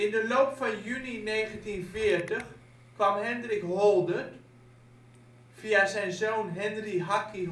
de loop van juni 1940 kwam Hendrik Holdert (via zijn zoon Henri ' Hakkie